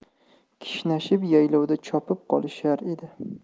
kishnashib yaylovda chopib qolishar edi